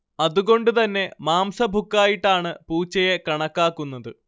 അതുകൊണ്ട് തന്നെ മാംസഭുക്കായിട്ടാണ് പൂച്ചയെ കണക്കാക്കുന്നത്